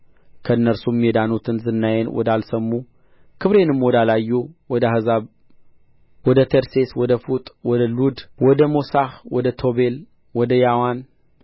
ከእነርሱም የዳኑትን ዝናዬን ወዳልሰሙ ክብሬንም ወዳላዩ ወደ አሕዛብ ወደ ተርሴስ ወደ ፉጥ ወደ ሉድ ወደ ሞሳሕ ወደ ቶቤል ወደ ያዋን